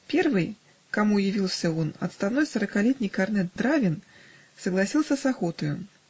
Первый, к кому явился он, отставной сорокалетний корнет Дравин, согласился с охотою.